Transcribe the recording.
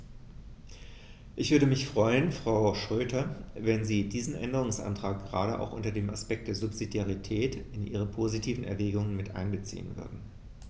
Ich würde mich freuen, Frau Schroedter, wenn Sie diesen Änderungsantrag gerade auch unter dem Aspekt der Subsidiarität in Ihre positiven Erwägungen mit einbeziehen würden.